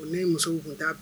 O ne ye muso tun ta